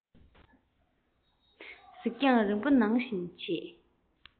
གཟིགས རྒྱང རིང པོ གནང བཞིན མཆིས